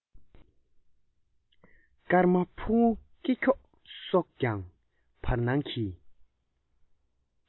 སྐར མ ཕུང བོ སྐེ འཁྱོགས སོགས ཀྱང བར སྣང གི